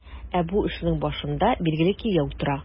Ә бу эшнең башында, билгеле, кияү тора.